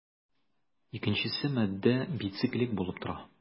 Икенчесе матдә бициклик булып тора.